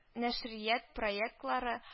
Нәшрият проеклары а